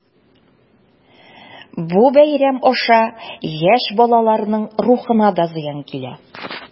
Бу бәйрәм аша яшь балаларның рухына да зыян килә.